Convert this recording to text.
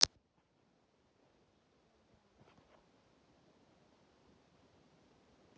дожить до утра